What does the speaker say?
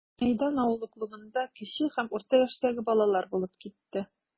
Мәйдан авылы клубында кече һәм урта яшьтәге балалар булып китте.